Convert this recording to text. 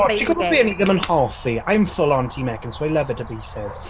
O ti'n gwbod be oedd fi ddim yn hoffi? I'm full on team Ekin-Su, I love her to pieces.